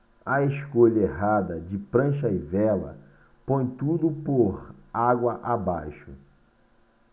a escolha errada de prancha e vela põe tudo por água abaixo